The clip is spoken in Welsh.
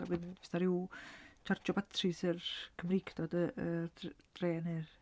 Wedyn oes 'na ryw tsarjio batris i'r Cymreictod y yy dr- dre neu'r...